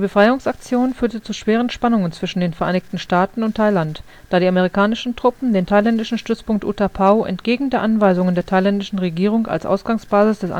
Befreiungsaktion führte zu schweren Spannungen zwischen den Vereinigten Staaten und Thailand, da die amerikanischen Truppen den thailändischen Stützpunkt Utapao entgegen der Anweisungen der thailändischen Regierung als Ausgangsbasis